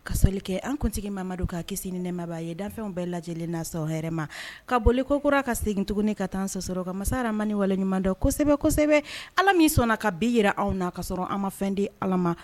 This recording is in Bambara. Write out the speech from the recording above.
Kasali kɛ an kuntigi mamamadu ka kisi ni nɛmabaa ye danfɛnw bɛɛ lajɛ lajɛlen nasɔrɔ hɛrɛ ma ka boli ko kurara ka segin tuguni ka taa an sɔsɔrɔ ka masaramani waleɲuman kosɛbɛ kosɛbɛ ala min sɔnna ka bin jira an anw na ka sɔrɔ an ma fɛn di ala ma